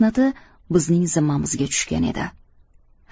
mehnati bizning zimmamizga tushgan edi